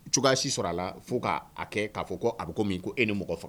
Cogoya si sɔrɔla a la fo k'a kɛ k'a fɔ ko a bɛ ko min ko e ni mɔgɔ faga